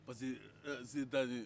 parce que se t'an ye